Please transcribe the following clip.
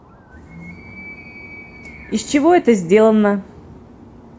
из чего это сделано